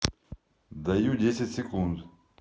даю десять секунд